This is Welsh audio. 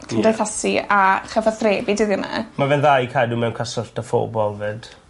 cymdeithasu a chyfathrebu dyddie 'ma. Ma fe'n dda i cadw mewn cyswllt â phobol 'fyd.